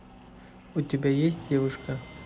у тебя есть девушка